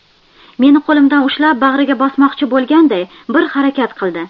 meni qo'limdan ushlab bag'riga bosmoqchi bo'lganday bir harakat qildi